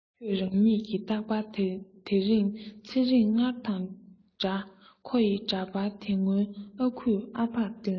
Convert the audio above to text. ཁོ རང ཉིད ཀྱི རྟག པར ད ཐེངས ཚེ རིང སྔར དང འདྲ ཁོ ཡི འདྲ པར དེ སྔོན ཨ ཁུས ཨ ཕར སྟོན